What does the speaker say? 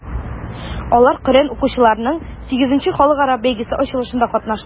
Алар Коръән укучыларның VIII халыкара бәйгесе ачылышында катнашты.